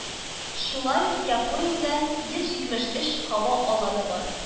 Шулай ук Япониядә йөз җитмеш өч һава аланы бар